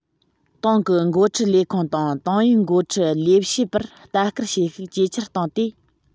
ཏང གི འགོ ཁྲིད ལས ཁུངས དང ཏང ཡོན འགོ ཁྲིད ལས བྱེད པར ལྟ སྐུལ བྱེད ཤུགས ཇེ ཆེར བཏང སྟེ